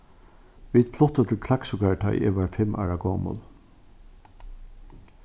vit fluttu til klaksvíkar tá eg var fimm ára gomul